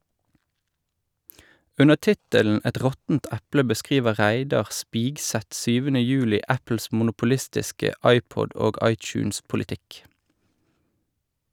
Under tittelen "Et råttent eple" beskriver Reidar Spigseth 7. juli Apples monopolistiske iPod- og iTunes-politikk.